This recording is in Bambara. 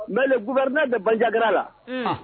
N bri ne de bajaigira la